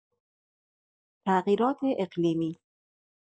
تغییرات اقلیمی